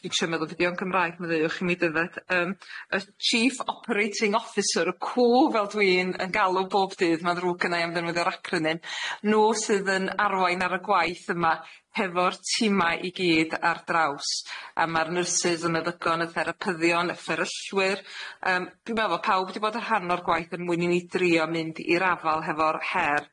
Dwi'n trio meddwl be' 'di o'n Gymraeg ma'n ddeuwch i mi Dyfed yym y chief operating officer y cw fel dwi'n yn galw bob dydd, ma'n ddrwg gennai am ddenwyddo'r acronym nw sydd yn arwain ar y gwaith yma hefo'r timau i gyd ar draws a ma'r nyrsys yn eddygon y therapyddion y fferyllwyr yym dwi'n meddwl pawb di bod yn rhan o'r gwaith er mwyn i ni drio mynd i'r afal hefo'r her.